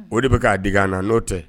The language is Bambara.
O de bɛ k'a digi an na, n'o tɛ